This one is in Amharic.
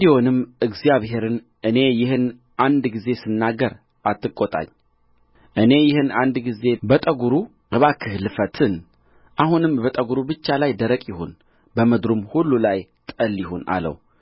ጌዴዎንም እግዚአብሔርን እኔ ይህን አንድ ጊዜ ስናገር አትቈጣኝ እኔ ይህን አንድ ጊዜ በጠጕሩ እባክህ ልፈትን አሁንም በጠጕሩ ብቻ ላይ ደረቅ ይሁን በምድሩም ሁሉ ላይ ጠል ይሁን አለው